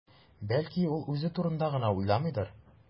Бәлки, ул үзе турында гына уйламыйдыр?